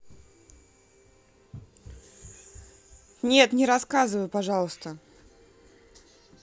нет не рассказывай пожалуйста